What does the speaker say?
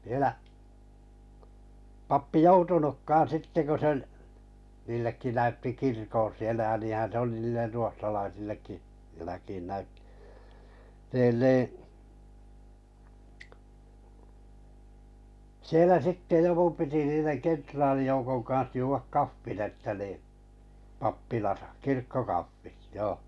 vielä pappi joutunutkaan sitten kun se oli niillekin näytti kirkon siellä ja niinhän se oli niille ruotsalaisillekin jälkiin näytti niin niin siellä sitten joku piti niiden kenraalijoukon kanssa juoda kahvin että niin pappilassa kirkkokahvit joo